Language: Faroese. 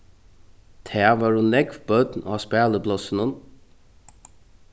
tað vóru nógv børn á spæliplássinum